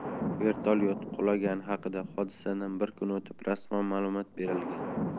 vertolyot qulagani haqida hodisadan bir kun o'tib rasman ma'lumot berilgan